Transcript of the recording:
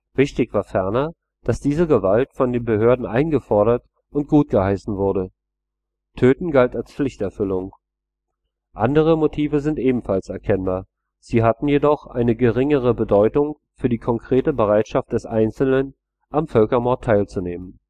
Wichtig war ferner, dass diese Gewalt von den Behörden eingefordert und gutgeheißen wurde. Töten galt als Pflichterfüllung. Andere Motive sind ebenfalls erkennbar, sie hatten jedoch eine geringere Bedeutung für die konkrete Bereitschaft des Einzelnen, am Völkermord teilzunehmen